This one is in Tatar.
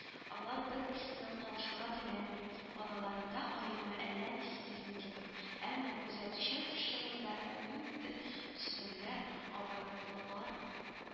Алар бер-берсеннән калышырга теләми, араларында аерма әллә ни сизелми кебек, әмма күзәтүчән кеше монда да ниндидер төсмерләр абайламалар